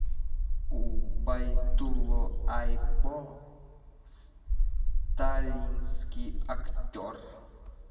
убайдулло ajabo сталинский актер